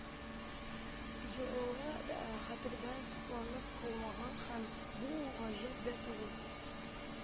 Юлы да хәтердә сакланып калмаган һәм бу гаҗәп дә түгел